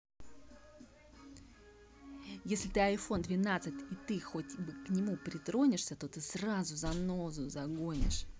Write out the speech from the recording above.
если ты iphone двенадцать и ты хотя бы к нему притронешься то ты сразу занозу загонишь